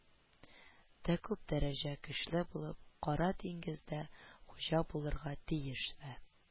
Да күп дәрәҗә көчле булып, кара диңгездә хуҗа булырга тиеш вә